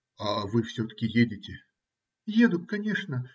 - А вы все-таки едете? - Еду, конечно.